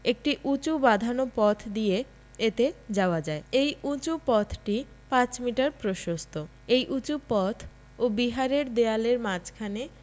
একটি উঁচু বাঁধানো পথ দিয়ে এতে যাওয়া যায় এই উঁচু পথটি ৫মিটার প্রশস্ত এই উঁচু পথ ও বিহারের দেয়ালের মাঝখানে